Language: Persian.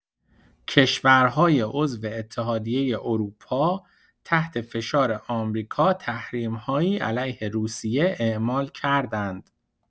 کشورهای عضو اتحادیه اروپا تحت فشار آمریکا تحریم‌هایی علیه روسیه اعمال کردند.